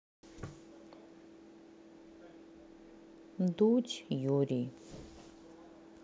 дудь юрий